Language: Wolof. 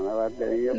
ana waa Kelle